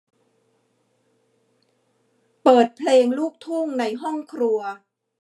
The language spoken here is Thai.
เปิดเพลงลูกทุ่งในห้องครัว